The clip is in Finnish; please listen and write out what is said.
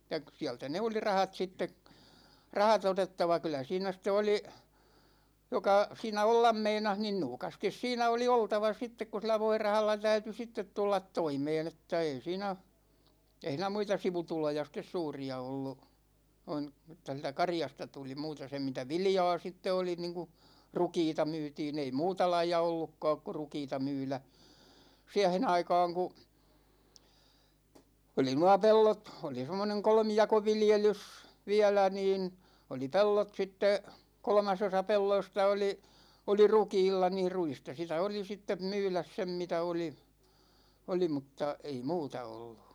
että sieltä ne oli rahat sitten rahat otettava kyllä siinä sitten oli joka siinä olla meinasi niin nuukasti siinä oli oltava sitten kun sillä voirahalla täytyi sitten tulla toimeen että ei siinä ei siinä muita sivutuloja sitten suuria ollut noin että sieltä karjasta tuli muuta se mitä viljaa sitten oli niin kuin rukiita myytiin ei muuta lajia ollutkaan kuin rukiita myydä siihen aikaan kun oli nuo pellot oli semmoinen kolmijakoviljelys vielä niin oli pellot sitten kolmasosa pelloista oli oli rukiilla niin ruista sitä oli sitten myydä sen mitä oli oli mutta ei muuta ollut